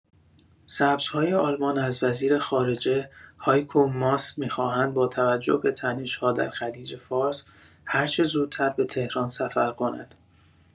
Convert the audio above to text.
سبزهای آلمان از وزیر خارجه، هایکو ماس می‌خواهند با توجه به تنش‌ها در خلیج‌فارس هر چه زودتر به تهران سفر کند.